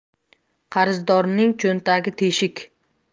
qarzdorning cho'ntagi teshik